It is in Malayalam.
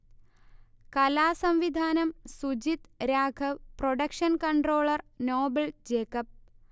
കലാസംവിധാനം Sujith Raghav, production controller Noble Jacob